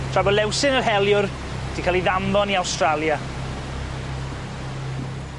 Tra bo' Lewsyn y heliwr 'di ca'l 'i ddanfon i Awstralia.